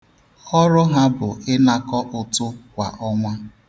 Ọrụ ha bụ ịnakọ ụtụ kwa ọnwa.